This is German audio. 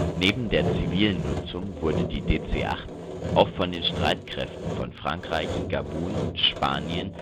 Neben der zivilen Nutzung wurde die DC-8 auch von den Streitkräften von Frankreich, Gabun, Spanien